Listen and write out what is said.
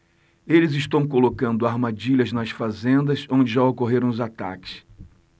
eles estão colocando armadilhas nas fazendas onde já ocorreram os ataques